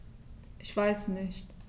Ich weiß nicht.